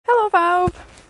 Helo bawb!